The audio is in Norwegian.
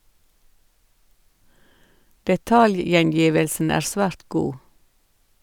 Detaljgjengivelsen er svært god.